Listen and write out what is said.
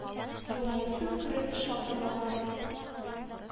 Елмайсын күреп шат аналар,